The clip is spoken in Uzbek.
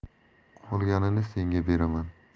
qolganini senga beraman